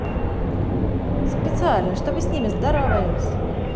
специально чтобы с ним здороваюсь